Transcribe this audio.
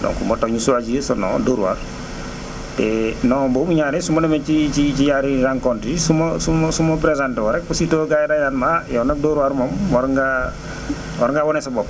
donc moo tax ñu choisir ce nom Dóor waar te nom boobu ñaare su ma demee ci ci ci genre ru rencontre yi su ma su ma su ma présenté woo rek aussitot gars yi dañu naan ma yow nag Dóor waar moom waroon nga war ngaa wane sa bopp